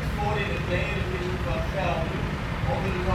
voor in het leenregister van Gelre onder het